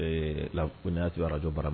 La koti arajɔ bara ma